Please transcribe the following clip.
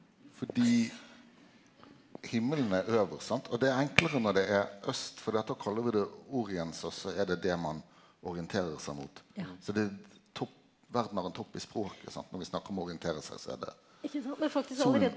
fordi himmelen er øvst sant, og det er enklare når det er aust fordi at då kallar vi det Orients og så er det det ein orienterer seg mot, så det er topp verda har ein topp i språket sant når vi snakkar om å orientere seg så er det solen.